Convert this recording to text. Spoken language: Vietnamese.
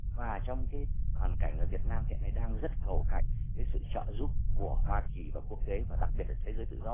và trong cái hoàn cảnh việt nam hiện nay đang rất cầu cạnh sự trợ giúp của hoa kỳ và quốc tế và đặc biệt là thế giới tự do